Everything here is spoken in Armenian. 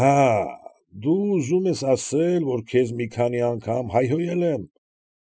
Աա, դու ուզում ես ասել, որ քեզ մի քանի անգամ հայհոյե՞լ եմ։